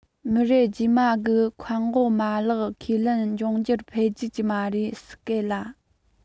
མི རབས རྗེས མ གི མཁའ འགོག མ ལག ཁས ལེན འབྱུང འགྱུར འཕེལ རྒྱས ཀྱི མ རེད སེལ སྐབས ལ